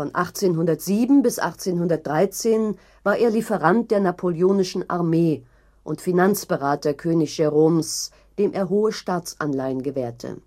1807 bis 1813 war er Lieferant der napoleonischen Armee und Finanzberater König Jérômes, dem er hohe Staatsanleihen gewährte